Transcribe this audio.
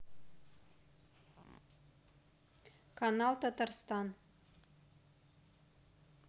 канал татарстан